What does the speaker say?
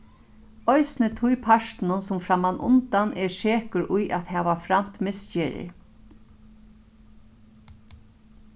eisini tí partinum sum frammanundan er sekur í at hava framt misgerðir